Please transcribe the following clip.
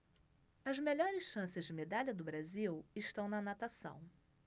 as melhores chances de medalha do brasil estão na natação